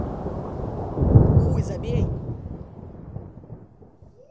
хуй забей